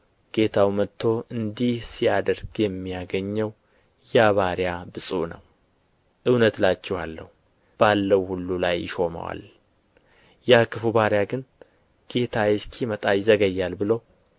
ጌታው መጥቶ እንዲህ ሲያደርግ የሚያገኘው ያ ባሪያ ብፁዕ ነው እውነት እላችኋለሁ ባለው ሁሉ ላይ ይሾመዋል ያ ክፉ ባሪያ ግን ጌታዬ እስኪመጣ ይዘገያል ብሎ